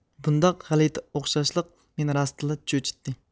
بۇنداق غەلىتە ئوخشاشلىق مېنى راستىنلا چۆچۈتتى